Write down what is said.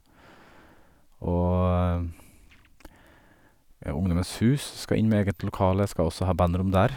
Og, ja, Ungdommens Hus skal inn med eget lokale, skal også ha bandrom der.